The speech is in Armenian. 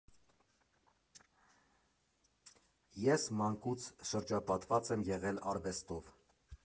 Ես մանկուց շրջապատված եմ եղել արվեստով։